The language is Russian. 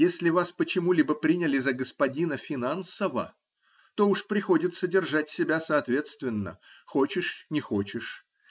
Если вас почему-либо приняли за господина Финансова, то уж приходится держать себя соответственно, хочешь -- не хочешь.